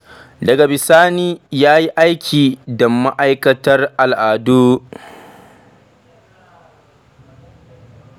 Daga bisani ya yi aiki da Ma'aikatar Al'adu.